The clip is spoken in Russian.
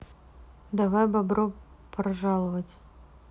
давай бобро поржаловать